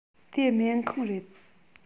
དེ སྨན ཁང རེད